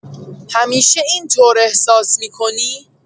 همیشه اینطور احساس می‌کنی؟